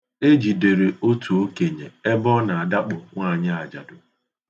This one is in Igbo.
E jidere otu okenye ebe ọ na-adakpo nwaanyị ajadụ.